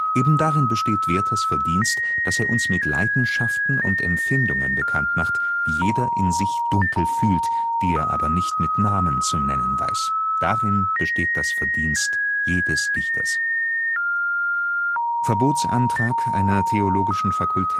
Eben darin besteht Werthers Verdienst, dass er uns mit Leidenschaften und Empfindungen bekannt macht, die jeder in sich dunkel fühlt, die er aber nicht mit Namen zu nennen weiß. Darin besteht das Verdienst jedes Dichters. […] Verbotsantrag einer Theologischen Fakultät